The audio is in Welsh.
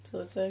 Tylwyth teg.